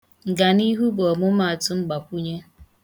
Nganihu bụ ọmụmaatụ mgbakwụnye.